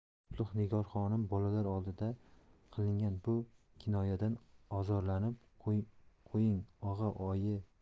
qutlug' nigor xonim bolalar oldida qilingan bu kinoyadan ozorlanib qo'ying og'a oyi